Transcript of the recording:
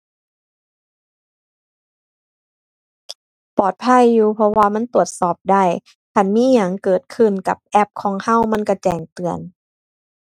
ปลอดภัยอยู่เพราะว่ามันตรวจสอบได้ คันมีหยังเกิดขึ้นกับแอปของเรามันเราแจ้งเตือน